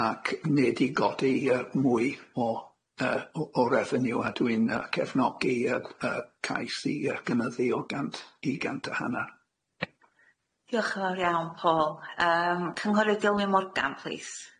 ac nid i godi yy mwy o yy o o revenue a dwi'n yy cefnogi yy yy cais i yy gynyddu o gant i gant a hannar. Diolch yn fawr iawn Paul yym cynghorydd Dilwyn Morgan plîs.